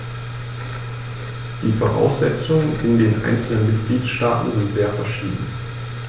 Die Voraussetzungen in den einzelnen Mitgliedstaaten sind sehr verschieden.